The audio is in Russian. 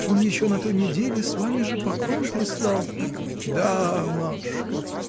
он еще на той неделе с вами же поклон прислал! – Да, матушка!